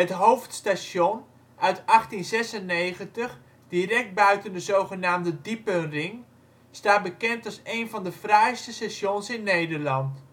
hoofdstation uit 1896, direct buiten de zogenaamde diepenring, staat bekend als een van de fraaiste stations in Nederland